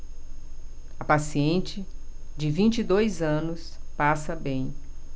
a paciente de vinte e dois anos passa bem